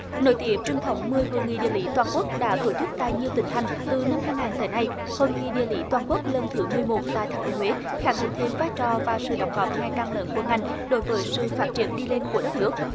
nối tiếp truyền thống mười hội nghị địa lý toàn quốc đã tổ chức tại nhiều tỉnh thành từ năm hai ngàn tới nay hội nghị địa lý toàn quốc lần thứ mười một tại thành phố huế khẳng định thêm vai trò và sự đóng góp ngày càng lớn của ngành đối với sự phát triển đi lên của đất nước